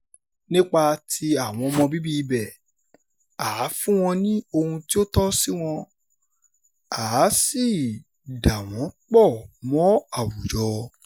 Nípa ti àwọn ọmọ bíbí ibẹ̀, à á fún wọn ní ohun tí ó tọ́ sí wọn, à á sì dà wọ́n pọ̀ mọ́ àwùjọ.